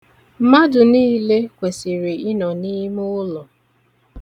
Mmadụ niile kwesiri ịnọ n'imụụlọ.